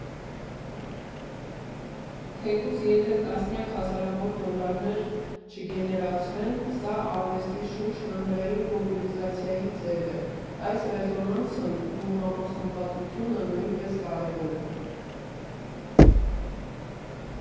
Թեկուզ եթե տասնյակ հազարավոր դոլարներ չգեներացվեն, սա արվեստի շուրջ հանրային մոբիլիզացիայի ձև է, այս ռեզոնանսն ու համախմբվածությունը նույնպես կարևոր է։